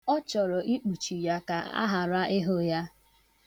Ọ choro ikpuchi ya ka aghara ịhụ ya.